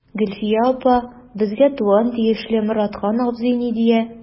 Гөлфия апа, безгә туган тиешле Моратхан абзый ни дия.